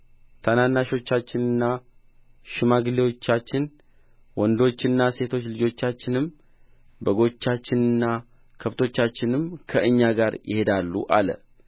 ታናናሾቻችንና ሽማግሌዎቻችን ወንዶችና ሴቶች ልጆቻችንም በጎቻችንና ከብቶቻችንም ከእኛ ጋር ይሄዳሉ አለ